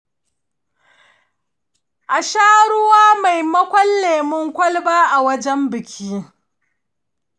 a sha ruwa maimakon lemun kwalba a wajen biki.